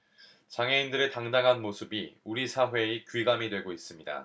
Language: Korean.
장애인들의 당당한 모습이 우리 사회의 귀감이 되고 있습니다